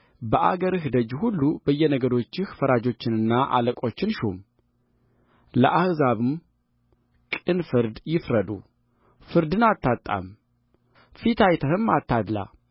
በአገርህ ደጅ ሁሉ በየነገዶችህ ፈራጆችንና አለቆችን ሹም ለሕዝቡም ቅን ፍርድ ይፍረዱ ፍርድን አታጣምም ፊት አይተህም አታድላ